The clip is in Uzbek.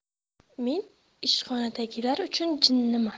men ishxonadagilar uchun jinniman